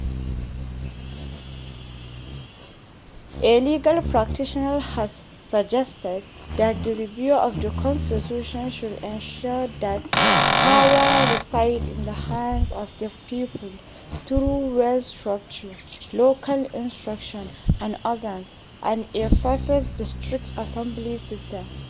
A legal practitioner has suggested that the review of the constitution should ensure that power resides in the hands of the people through well-structured local institutions and organs and a perfected district assembly system.